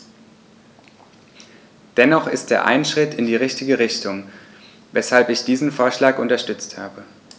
Dennoch ist er ein Schritt in die richtige Richtung, weshalb ich diesen Vorschlag unterstützt habe.